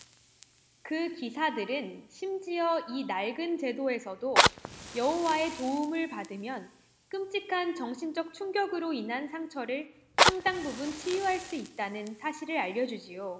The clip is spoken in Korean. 그 기사들은 심지어 이 낡은 제도에서도 여호와의 도움을 받으면 끔찍한 정신적 충격으로 인한 상처를 상당 부분 치유할 수 있다는 사실을 알려 주지요